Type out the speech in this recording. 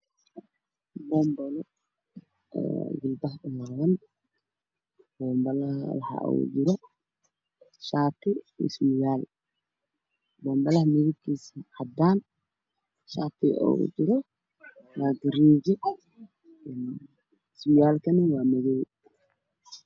Meeshaan waxa ay iiga muuqda caag cad oo ku jira shaar gacma dheera ah oo guluusyo leh iyo sarwaal madow